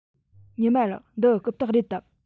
ཉི མ ལགས འདི རྐུབ སྟེགས རེད དམ